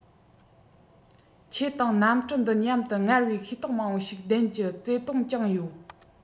ཁྱེད དང གནམ གྲུ འདི མཉམ དུ སྔར བས ཤེས རྟོག མང བ ཞིག ལྡན གྱི བརྩེ དུང བཅངས ཡོད